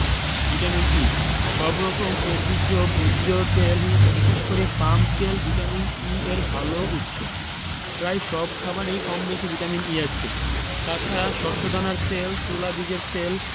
vitamin E সব রকম উদ্ভিজ্জ ভোজ্য তেল বিশেষ করে পাম তেল ভিটামিন E এর ভালো উৎস প্রায় সব খাবারেই কমবেশি ভিটামিন E আছে তাছাড়া শস্যদানার তেল তুলা বীজের তেল